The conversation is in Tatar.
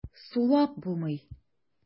Сулап булмый.